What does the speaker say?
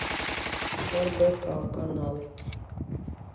рбк канал